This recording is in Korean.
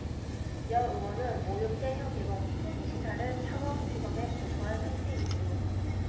여 의원은 묘욕죄 혐의로 홍 지사를 창원지검에 고소한 상태이구요